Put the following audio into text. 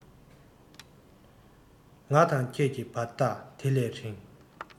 ང དང ཁྱོད ཀྱི བར ཐག དེ ལས རིང